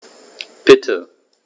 Bitte.